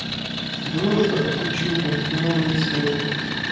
дружба это чудо новые серии